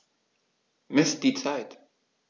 Miss die Zeit.